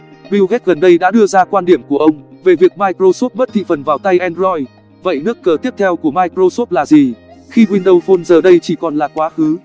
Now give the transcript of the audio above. bill gate gần đây đã đưa ra quan điểm của ông về việc microsoft mất thị phần vào tay android vậy nước cờ tiếp theo của microsoft là gì khi window phone giờ đây chỉ còn là quá khứ